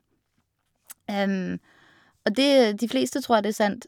Og det de fleste tror at det er sant.